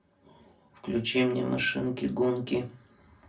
включи мне машинки гонки